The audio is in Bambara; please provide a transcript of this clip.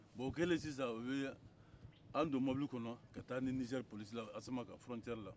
bon kɛlen sisan u y'an don mobili ka taa n'an ye nizeri polisila asimaka dancɛ la